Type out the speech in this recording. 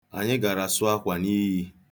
Anyị gara sụ akwa n'iyi.